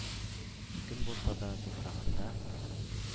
Кем булса да, туфрагында